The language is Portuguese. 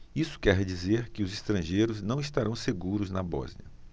isso quer dizer que os estrangeiros não estarão seguros na bósnia